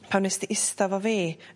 Pan nest ti ista 'fo fi